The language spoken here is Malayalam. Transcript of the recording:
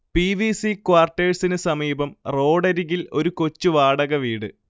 പി. വി. സി ക്വാർട്ടേഴ്സിന് സമീപം റോഡരികിൽ ഒരു കൊച്ചുവാടകവീട്